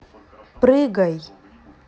прыгай